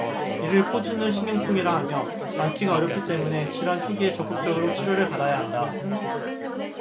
이를 포진 후 신경통이라 하며 완치가 어렵기 때문에 질환 초기에 적극적으로 치료를 받아야 한다